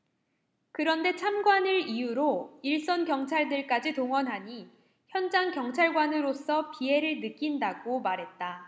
그런데 참관을 이유로 일선 경찰들까지 동원하니 현장 경찰관으로서 비애를 느낀다고 말했다